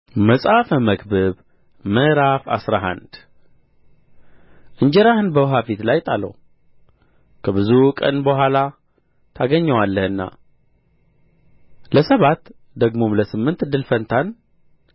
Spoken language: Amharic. መጽሐፈ መክብብ ምዕራፍ አስራ አንድ እንጀራህን በውኃ ፊት ላይ ጣለው ከብዙ ቀን በኋላ ታገኛዋለህና ለሰባት ደግሞም ለስምንት እድል ፈንታን